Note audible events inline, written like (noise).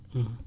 (hesitation) (hesitation)